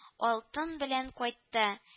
Алтын белән кайтты